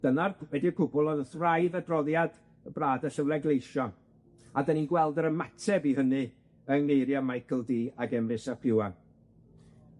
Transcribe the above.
Dyna'r, wedi'r cwbl, o'dd wrth wraidd adroddiad y brad a llyfre gleision, a 'dan ni'n gweld yr ymateb i hynny yng ngeiria Michael Dee ac Emrys ap Iwan.